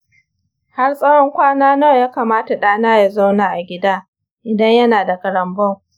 har tsawon kwana nawa ya kamata ɗana ya zauna a gida idan yana da ƙarambo.